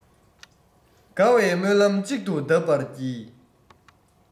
དགའ བའི སྨོན ལམ གཅིག ཏུ གདབ པར བགྱི